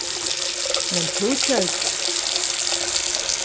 men tú gjørdi